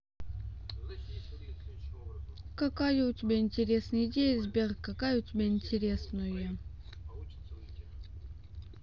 какая у тебя интересные идеи сбер какая у тебя интересное